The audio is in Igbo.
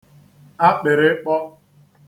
akpị̀rịkpọ